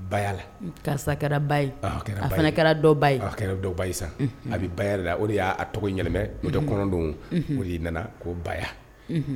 Karisa ba fana kɛra ba ye dɔw ba ye san a bɛ ba la o de y'a tɔgɔ ɲɛnamɛ o tɛ kɔnɔndenw olu nana ko ba